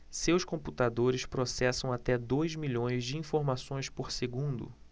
seus computadores processam até dois milhões de informações por segundo